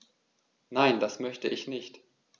Nein, das möchte ich nicht.